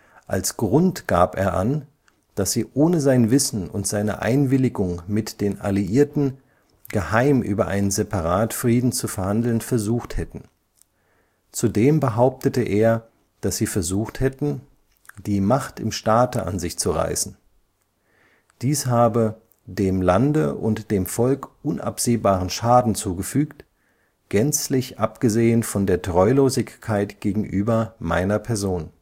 Als Grund gab er an, dass sie ohne sein Wissen und seine Einwilligung mit den Alliierten geheim über einen Separatfrieden zu verhandeln versucht hatten. Zudem behauptete er, dass sie versucht hätten, „ die Macht im Staate an sich zu reißen “. Dies habe „ dem Lande und dem Volk unabsehbaren Schaden zugefügt, gänzlich abgesehen von der Treulosigkeit gegenüber meiner Person